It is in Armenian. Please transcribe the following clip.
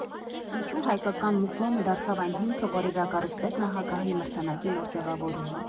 Ինչու հայկական մուֆլոնը դարձավ այն հիմքը, որի վրա կառուցվեց Նախագահի մրցանակի նոր ձևավորումը։